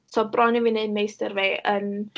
so bron i fi wneud meistr fi yn...